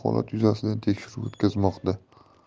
holat yuzasidan tekshiruv o'tkazmoqda